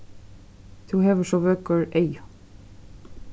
tú hevur so vøkur eygu